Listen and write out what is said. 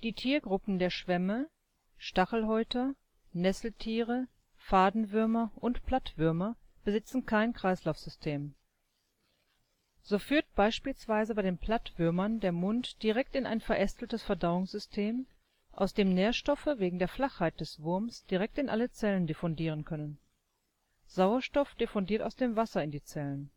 Tiergruppen der Schwämme, Stachelhäuter, Nesseltiere, Fadenwürmer und Plattwürmer besitzen kein Kreislaufsystem. So führt beispielsweise bei den Plattwürmern der Mund direkt in ein verästeltes Verdauungssystem, aus dem Nährstoffe wegen der Flachheit des Wurmes direkt in alle Zellen diffundieren können. Sauerstoff diffundiert aus dem Wasser in die Zellen